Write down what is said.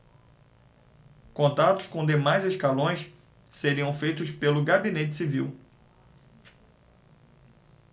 contatos com demais escalões seriam feitos pelo gabinete civil